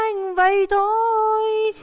anh vậy thôi